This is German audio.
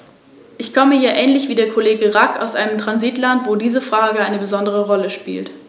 Unser Ausschuss erörtert die vorliegenden Fragen aus vielen unterschiedlichen Blickwinkeln.